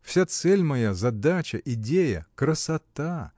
Вся цель моя, задача, идея — красота!